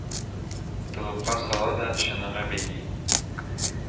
Толыпка сала да, чанага бәйли